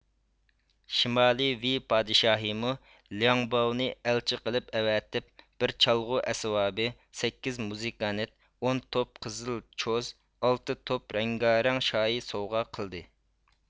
شىمالىي ۋېي پادىشاھىمۇ لياڭباۋنى ئەلچى قىلىپ ئەۋەتىپ بىر چالغۇ ئەسۋابى سەككىز مۇزىكانت ئون توپ قىزىل چوز ئالتە توپ رەڭگارەڭ شايى سوۋغا قىلدى